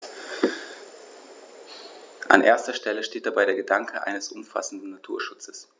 An erster Stelle steht dabei der Gedanke eines umfassenden Naturschutzes.